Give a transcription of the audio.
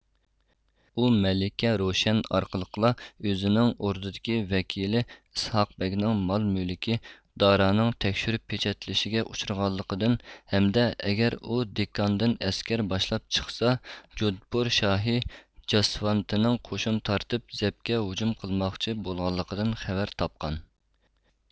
ئۇ مەلىكە روشەن ئارقىلىقلا ئۆزىنىڭ ئوردىدىكى ۋەكىلى ئىسھاقبەگنىڭ مال مۈلكى دارانىڭ تەكشۈرۈپ پېچەتلىشىگە ئۇچرىغانلىقىدىن ھەمدە ئەگەر ئۇ دېككاندىن ئەسكەر باشلاپ چىقسا جودپۇر شاھى جاسۋانتنىڭ قوشۇن تارتىپ زەپكە ھۇجۇم قىلماقچى بولغانلىقىدىن خەۋەر تاپقان